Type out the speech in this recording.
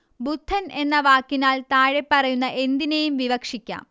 ബുദ്ധൻ എന്ന വാക്കിനാൽ താഴെപ്പറയുന്ന എന്തിനേയും വിവക്ഷിക്കാം